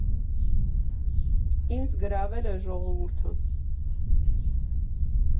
Ինձ գրավել էր ժողովուրդը։